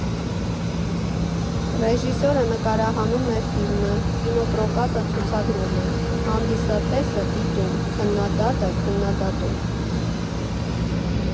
Ռեժիսորը նկարահանում է ֆիլմը, կինոպրոկատը ցուցադրում է, հանդիսատեսը՝ դիտում, քննադատը՝ քննադատում։